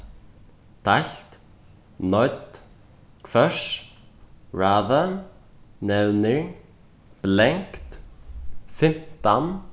deilt noydd hvørs rather nevnir blankt fimtan